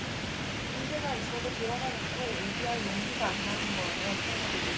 문제가 있어도 드러내놓고 얘기할 용기가 안 나는 거예요 소녀들이